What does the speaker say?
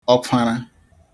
ọkfara